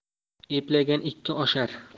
eplagan ikki oshar